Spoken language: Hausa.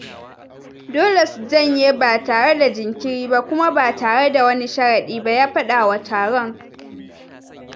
“Dole su janye ba tare da jinkiri ba kuma ba tare da wani sharaɗi ba,” ya fada wa taron.